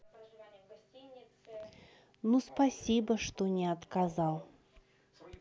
ну спасибо что не отказал